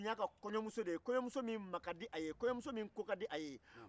o tun y'a diyanyemuso de ye